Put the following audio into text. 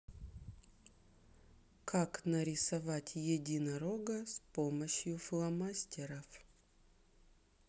как нарисовать единорога с помощью фломастеров